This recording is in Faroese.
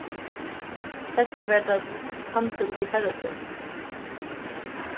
seinni varð tað handil við harratoy